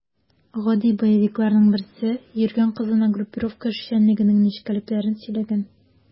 Гади боевикларның берсе йөргән кызына группировка эшчәнлегенең нечкәлекләрен сөйләгән.